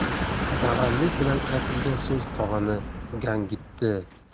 dag'allik bilan aytilgan so'z tog'ani gangitdi